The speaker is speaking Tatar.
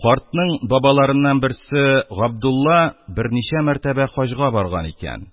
Картның бабаларыннан берсе — Гаптулла берничә мәртәбә хаҗга барган икән